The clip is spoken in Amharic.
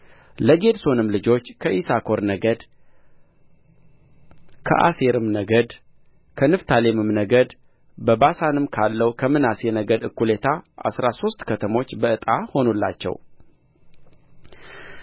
ለጌድሶንም ልጆች ከይሳኮር ነገድ ከአሴርም ነገድ ከንፍታሌምም ነገድ በባሳንም ካለው ከምናሴ ነገድ እኩሌታ አሥራ ሦስት ከተሞች በዕጣ ሆኑላቸው